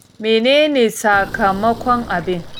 Menene sakamakon abin?